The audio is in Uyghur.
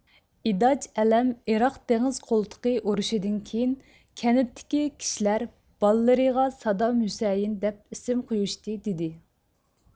ئىداج ئەلەم ئىراق دېڭىز قولتۇقى ئۇرۇىشىدىن كىيىن كەنىتتىكى كىشىلەر بالىلىرىغا سادام ھۈسەيىن دەپ ئىسىم قويۇشتى دىدى